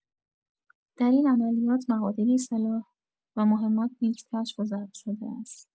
در این عملیات، مقادیری سلاح و مهمات نیز کشف و ضبط شده است.